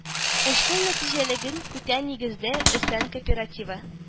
Эшнең нәти әлелеген күтә- нигездә, өсән кооперативы